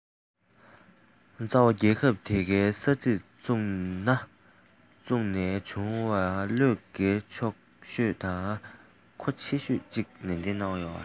རྩ བ རྒྱལ ཁབ དེ གའི ས གཞིར ཚུགས ན བྱུང ན བློས འགེལ ཆོག ཤོས དང མཁོ ཆེ ཤོས རེད ཅེས ནན བཤད གནང བ རེད